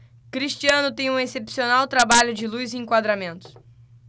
cristiano tem um excepcional trabalho de luz e enquadramento